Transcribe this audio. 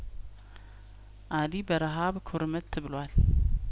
አሊ በረሀብ ኩርምት ብሏል